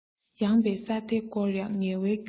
ཡངས པའི ས མཐའ བསྐོར ཡང ངལ བའི རྒྱུ